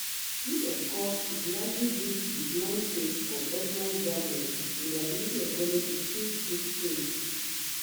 This of course is largely due to the “blind faith” of ordinary Zambians in the ability of government to think through things.